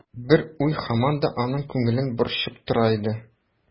Бер уй һаман да аның күңелен борчып тора иде.